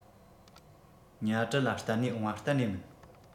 ཉ གྲུ ལ གཏད ནས འོང བ གཏན ནས མིན